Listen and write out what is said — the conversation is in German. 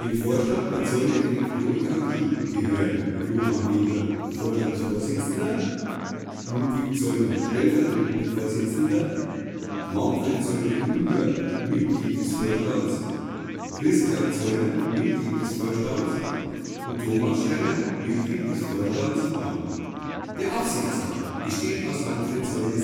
Vorstand der Zollner Elektronik AG gehören Johann Weber (Vorstandsvorsitzender), Ludwig Zollner (stellvertretender Vorsitzender), Manfred Zollner jun. (Mitglied des Vorstands), Christian Zollner (Mitglied des Vorstands) und Thomas Schreiner (Mitglied des Vorstands) an. Der Aufsichtsrat besteht aus Manfred Zollner